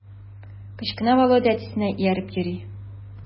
Кечкенә Володя әтисенә ияреп йөри.